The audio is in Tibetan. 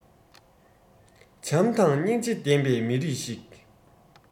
བྱམས དང སྙིང རྗེ ལྡན པའི མི རིགས ཤིག